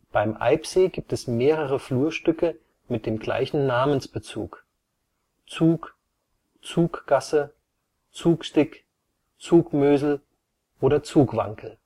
Beim Eibsee gibt es mehrere Flurstücke mit dem gleichen Namensbezug: Zug, Zuggasse, Zugstick, Zugmösel oder Zugwankel